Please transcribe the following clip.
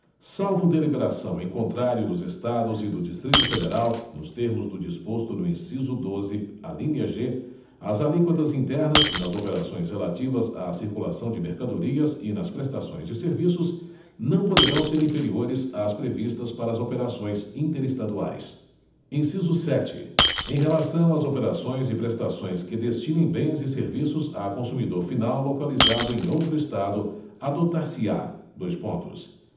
salvo deliberação em contrário dos estados e do distrito federal nos termos do disposto no inciso doze alínea g as alíquotas internas nas operações relativas à circulação de mercadorias e nas prestações de serviços não poderão ser inferiores às previstas para as operações interestaduais inciso sete em relação às operações e prestações que destinem bens e serviços a consumidor final localizado em outro estado adotar se á dois pontos